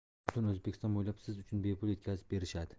butun o'zbekiston bo'ylab siz uchun bepul yetkazib berishadi